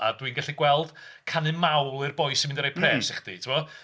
A dwi'n gallu gweld canu mawl i'r boi sy'n mynd i roi pres i ti, ti'mod?